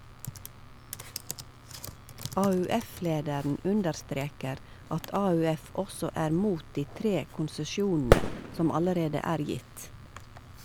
AUF-lederen understreker at AUF også er mot de tre konsesjonene som allerede er gitt.